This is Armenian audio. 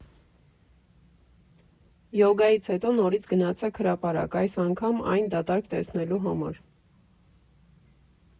Յոգայից հետո նորից գնացեք հրապարակ, այս անգամ այն դատարկ տեսնելու համար։